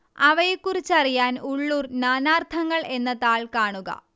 അവയെക്കുറിച്ചറിയാൻ ഉള്ളൂർ നാനാർത്ഥങ്ങൾ എന്ന താൾ കാണുക